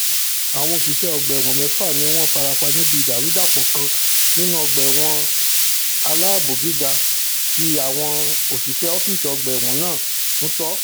Àwọn òṣiṣẹ́ ọgbà-ẹ̀wọ̀n mẹ́fà níwọn farapa níbi ìdàrúdàpọ̀ kan nínú ọgbà-ẹ̀wọ̀n aláààbò gíga ti àwọn òṣìṣẹ̀ Ọ́fíìsì Ọgbà-ẹ̀wọ̀n náà ń sọ́.